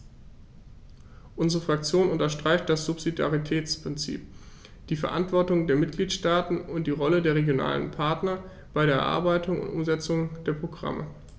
Unsere Fraktion unterstreicht das Subsidiaritätsprinzip, die Verantwortung der Mitgliedstaaten und die Rolle der regionalen Partner bei der Erarbeitung und Umsetzung der Programme.